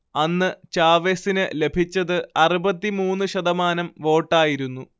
അന്ന് ചാവെസിന് ലഭിച്ചത് അറുപത്തി മൂന്ന് ശതമാനം വോട്ടായിരുന്നു